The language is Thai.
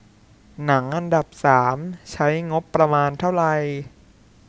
หนังอันดับสามใช้งบประมาณเท่าไหร่